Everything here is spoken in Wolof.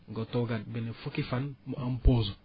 nga toogaat benn fukki fan mu am pause